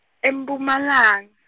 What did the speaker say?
e Mpumalanga.